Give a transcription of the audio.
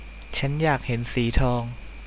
ฉันอยากเห็นสีทอง